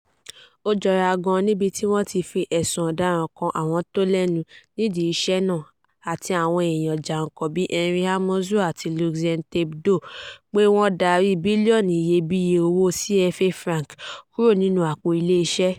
Ó jọra gan-an níbi tí wọ̀n ti fi ẹ̀sùn ọ̀daràn kan"àwọn tó lẹ́nu" nídi ìṣe náà, àti àwọn èèyàn jànkàn bí Henri Amouzou àti Luxien Tape Doh pé wọ́n darí bílíọ̀nù iyebíye owó CFA francs kúrò nínú àpò Ileeṣẹ́.